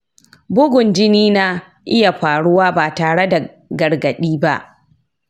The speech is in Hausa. bugun jini na iya faruwa ba tare da gargaɗi ba?